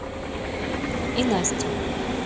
и настя